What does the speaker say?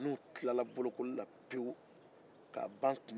n'u tilala bolokoli la pewo ka ban tuma min